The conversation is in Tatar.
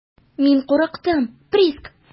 Мин курыктым, Приск.